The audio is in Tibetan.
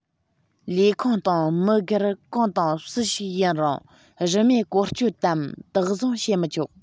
ལས ཁུངས དང མི སྒེར གང དང སུ ཞིག ཡིན རུང རིན མེད བཀོལ སྤྱོད དམ བདག བཟུང བྱེད མི ཆོག